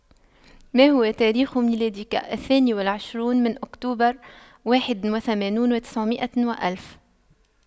ما هو تاريخ ميلادك الثاني والعشرون من اكتوبر واحد وثمانون وتسعمئة وألف